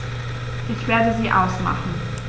Ich werde sie ausmachen.